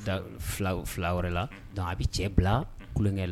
Taa fila la a bɛ cɛ bila kolon